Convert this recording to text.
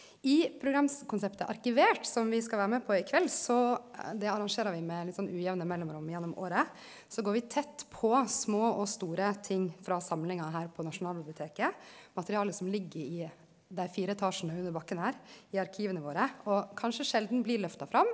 i programkonseptet Arkivert som vi skal vere med på i kveld så det arrangerer vi med litt sånn ujamne mellomrom gjennom året så går vi tett på små og store ting frå samlinga her på Nasjonalbiblioteket, materiale som ligg i dei fire etasjane under bakken her i arkiva våre og kanskje sjeldan blir løfta fram,